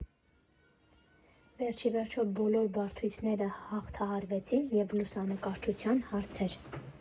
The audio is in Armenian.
Վերջիվերջո բոլոր բարդությունները հաղթահարվեցին և «Լուսանկարչության հարցեր.